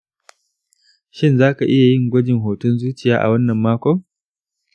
shin za ka iya yin gwajin hoton zuciya a wannan makon?